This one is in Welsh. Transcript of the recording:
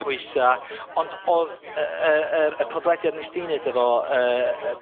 Pwysa, ond odd yy y yr y podlediad nes di neud efo yy yy